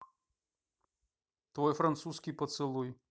твой французский поцелуй